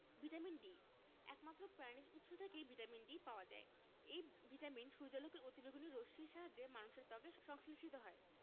vitamin D একমাত্র প্রাণিজ উৎস থেকেই ভিটামিন D পাওয়া যায় এই ভিটামিন সূর্যালোকের অতিবেগুনি রশ্মির সাহায্যে মানুষের ত্বকে সংশ্লেষিত হয়